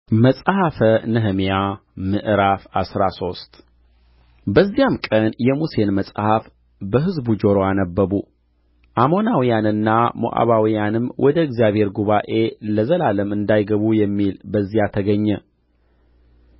መጽሐፈ ነህምያ ምዕራፍ አስራ ሶስት በዚያም ቀን የሙሴን መጽሐፍ በሕዝቡ ጆሮ አነበቡ አሞናውያንና ሞዓባውያንም ወደ እግዚአብሔር ጉባኤ ለዘላለም እንዳይገቡ የሚል በዚያ ተገኘ